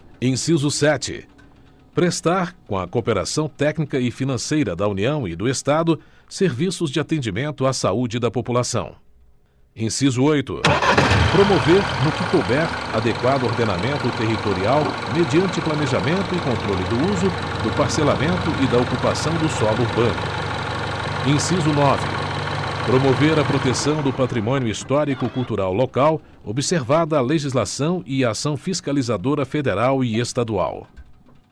inciso sete prestar com a cooperação técnica e financeira da união e do estado serviços de atendimento à saúde da população inciso oito promover no que couber adequado ordenamento territorial mediante planejamento e controle do uso do parcelamento e da ocupação do solo urbano inciso nove promover a proteção do patrimônio histórico cultural local observada a legislação e a ação fiscalizadora federal e estadual